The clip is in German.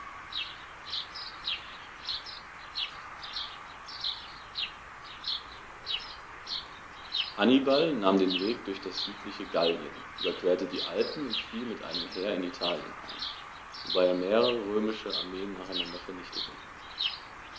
Hannibal nahm den Landweg durch das südliche Gallien, überquerte die Alpen und fiel mit einem Heer in Italien ein, wobei er mehrere römische Armeen nacheinander vernichtete.